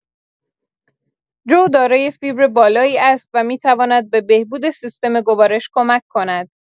جو دارای فیبر بالایی است و می‌تواند به بهبود سیستم گوارش کمک کند.